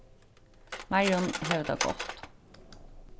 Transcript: marjun hevur tað gott